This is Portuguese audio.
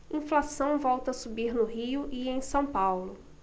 inflação volta a subir no rio e em são paulo